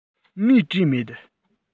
ངས བྲིས མེད